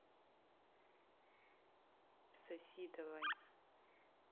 соси давай